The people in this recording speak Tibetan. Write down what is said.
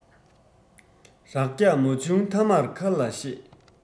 རགས རྒྱག མ བྱུང མཐའ མར མཁར ལ གཤེད